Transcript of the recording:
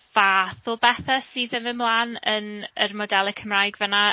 Fath o bethe sydd yn mynd mlân yn yr modelau Cymraeg fan'na.